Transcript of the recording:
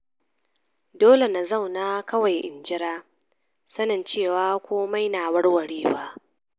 Dole na zauna kawai in jira, sanin cewa komai na warwarewa.